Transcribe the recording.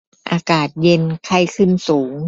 อากาศเย็นไข้ขึ้นสูง